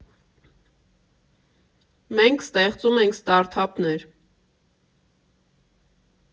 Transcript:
Մենք ստեղծում ենք ստարտափներ։